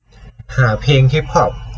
หาเพลงฮิปฮอป